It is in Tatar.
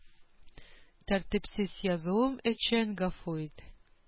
Тәртипсез язуым өчен гафу ит.